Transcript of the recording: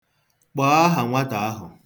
Kpọọ aha nwata ahụ.